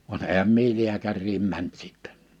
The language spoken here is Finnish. vaan enhän minä lääkäriin mennyt sitten